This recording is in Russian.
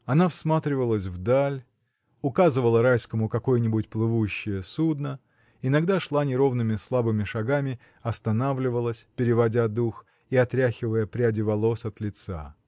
Она всматривалась вдаль, указывала Райскому какое-нибудь плывущее судно, иногда шла неровными, слабыми шагами, останавливалась, переводя дух и отряхивая пряди волос от лица.